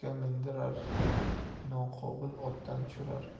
mindirar noqobil otdan tushirar